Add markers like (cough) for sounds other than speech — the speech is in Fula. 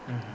(hesitation) (hesitation)